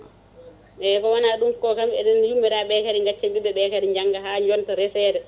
eyyi ko wona ɗum ko kam enen yummiraɓe kadi gaccen ɓiɓɓe ɓe kam jangga ha jonta resede